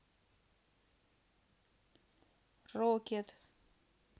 rocket